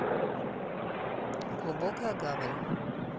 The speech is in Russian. глубокая гавань